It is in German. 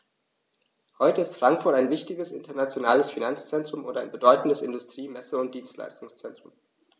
Heute ist Frankfurt ein wichtiges, internationales Finanzzentrum und ein bedeutendes Industrie-, Messe- und Dienstleistungszentrum.